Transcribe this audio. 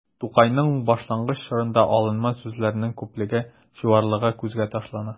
Тукайның башлангыч чорында алынма сүзләрнең күплеге, чуарлыгы күзгә ташлана.